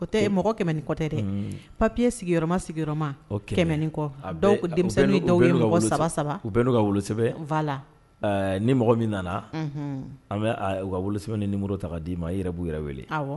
Mɔgɔ kɛmɛ ni kɔ tɛ dɛ, unn, papiers sigiyɔrɔma sigiyɔrɔma o kɛmɛ ni kɔ, ok, dɔw ka, denmisɛnin dɔw mɔgɔ saba saba u bɛ n'u ka wolosɛbɛn voila, ɛɛ, ni mɔgɔ min nana ,unhun, an bɛ u ka wolosɛbɛn ni numero ta ka d'i ma u yɛrɛ b'u yɛrɛ wele, awɔ.